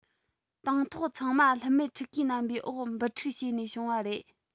དང ཐོག ཚང མ ལྷུ མེད ཕྲུ གུའི རྣམ པའི འོག འབུ ཕྲུག བྱས ནས བྱུང བ རེད